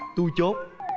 tui chốt